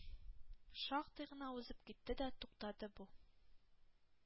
Шактый гына узып китте дә туктады бу.